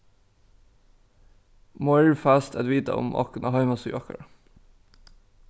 meir fæst at vita um okkum á heimasíðu okkara